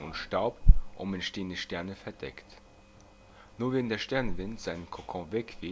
Staub um entstehende Sterne verdeckt. Nur wenn der Sternenwind seinen „ Cocoon “wegweht